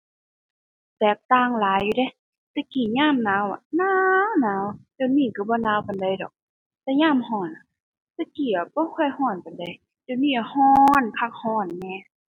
แตกต่างหลายอยู่เดะ แต่กี้ยามหนาวอะหนาวหนาว เดี๋ยวนี้ก็บ่หนาวปานใดดอก แต่ยามก็อะ แต่กี้อะบ่ค่อยก็ปานใด เดี๋ยวนี้อะก็คักก็แน่